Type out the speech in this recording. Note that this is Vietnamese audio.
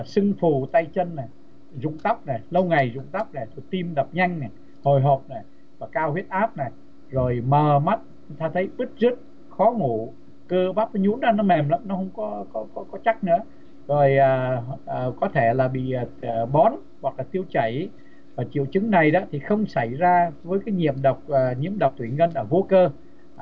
sưng phù tay chân rụng tóc để lâu ngày rụng tóc là thót tim đập nhanh hồi hộp này và cao huyết áp này rồi mở mắt ra thấy bứt rứt khó ngủ cơ bắp nhún nó mềm nó không có có có có chắc nữa rồi ờ ờ có thể là bìa để bón hoặc tiêu chảy và triệu chứng này thì không xảy ra với kinh nghiệm độc và nhiễm độc thủy ngân vô cơ